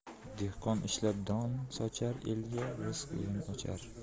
dehqon ishlab don sochar elga rizq yo'lin ochar